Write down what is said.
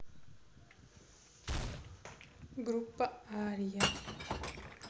группа ария